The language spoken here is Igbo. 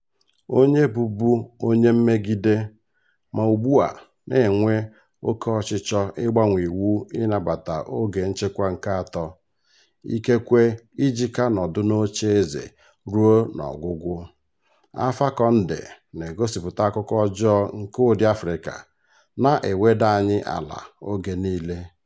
Onye bụbu onye mmegide, ma ugbu a na-enwe oke ochịchọ ịgbanwe iwu ịnabata oge nchịkwa nke atọ, ikekwe iji ka nọdụ n'oche eze ruo n'ọgwụgwụ, Alpha Condé na-egosipụta akụkụ ọjọọ nke ụdị Afịrịka na-eweda anyị ala oge niile.